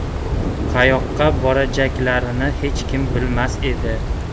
qayoqqa borajaklarini hech kim bilmas edi